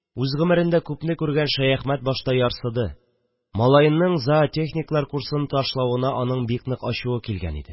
Үз гомерендә күпне күргән Шәяхмәт башта ярсыды: малаеның зоотехниклар курсын ташлавына аның бик нык ачуы килгән иде